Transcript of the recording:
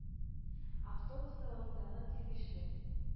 Автобус салонындагы тиргешле,